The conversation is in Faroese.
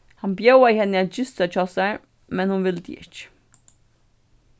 hann bjóðaði henni at gista hjá sær men hon vildi ikki